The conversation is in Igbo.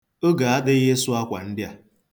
Oge adịghị ịsụ akwa ndị a.